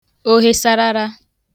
ohe sarara